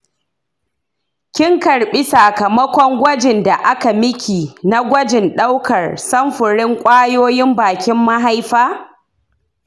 kin karbi sakamakon gwajin da aka miki na gwajin daukar samfurin kwayoyin bakin mahaifa?